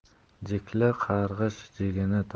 jikli qarg'ish jigini